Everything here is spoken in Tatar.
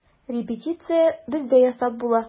Репетиция бездә ясап була.